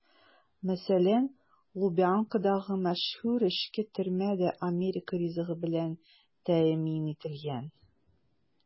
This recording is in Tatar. Мәсәлән, Лубянкадагы мәшһүр эчке төрмә дә америка ризыгы белән тәэмин ителгән.